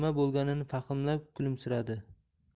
bo'lganini fahmlab kulimsiradi